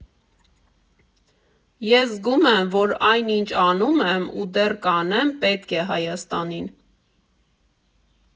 Ես զգում եմ, որ այն, ինչ անում եմ ու դեռ կանեմ պետք է Հայաստանին։